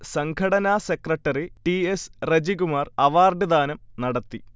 സംഘടനാ secretary T. S. Rajikumar അവാർഡ്ദാനം നടത്തി